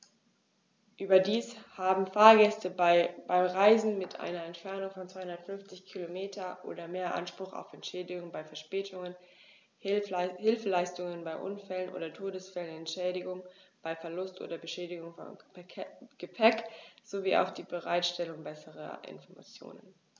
Überdies haben Fahrgäste bei Reisen mit einer Entfernung von 250 km oder mehr Anspruch auf Entschädigung bei Verspätungen, Hilfeleistung bei Unfällen oder Todesfällen, Entschädigung bei Verlust oder Beschädigung von Gepäck, sowie auf die Bereitstellung besserer Informationen.